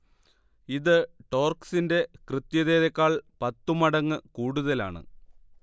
ഇത് ടോർക്സിന്റെ കൃത്യതയേക്കാൾ പത്തു മടങ്ങ് കൂടുതലാണ്